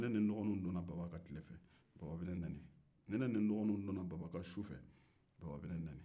ni ne ni n dɔgɔnin donna baba kan tile fɛ baba bɛ ne nɛni ni ne ni n dɔgɔninw donna baba kan su fɛ baba bɛ ne nɛni